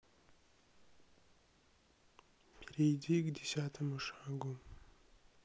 перейди к десятому шагу